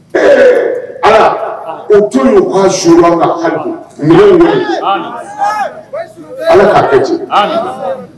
Ɛɛ o to ka su ka